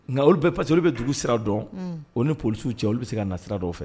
Nka olu bɛ paz olu bɛ dugu sira dɔn o ni psiw cɛ olu bɛ se ka na sira dɔ fɛ